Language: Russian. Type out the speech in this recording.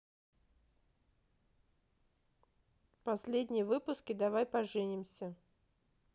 последние выпуски давай поженимся